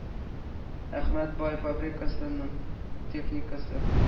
Әхмәт бай фабрикасының техникасы